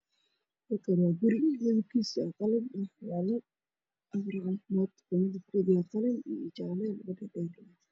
Meeshaani waa guri galkiisu waa jaalo iyo khalid ku agaalo guri kale oo hargeysa ahaa cagaar riixda